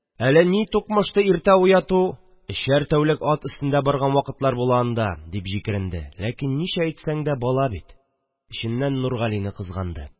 Әле нитукмышты иртә уяту, өчәр тәүлек ат өстендә барган вакытлар була анда, – дип җикеренде, ләкин – ничә әйтсәң дә бала бит – эченнән Нургалине кызганды